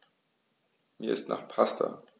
Mir ist nach Pasta.